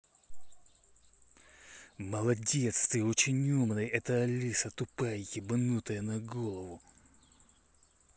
молодец ты очень умный это алиса тупая ебанутая на голову